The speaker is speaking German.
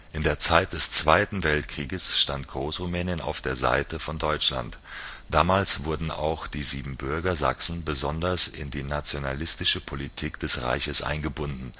In der Zeit des Zweiten Weltkrieges stand Großrumänien auf der Seite von Deutschland. Damals wurden auch die Siebenbürger Sachsen besonders in die nationalistische Politik des Reiches eingebunden